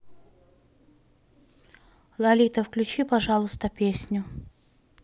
лолита включи пожалуйста песню